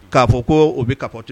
Ka fɔ ko o bi capotie